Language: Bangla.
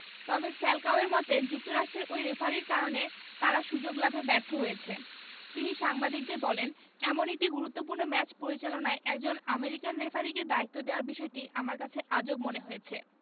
তবে ফ্যালকাওয়ের মতে যুক্তরাষ্ট্রের ওই রেফারির কারণে তারা সুযোগ লাভে ব্যর্থ হয়েছে তিনি সাংবাদিকদের বলেন এমন একটি গুরুত্বপূর্ণ ম্যাচ পরিচালনায় একজন আমেরিকান রেফারিকে দায়িত্ব দেয়ার বিষয়টি আমার কাছে আজব মনে হয়েছে